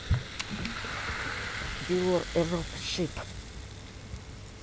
dior егор шип